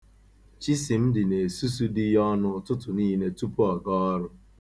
Chisimdị na-esusu di ya ọnụ ụtụtụ niile tupu ọ gaa ọrụ.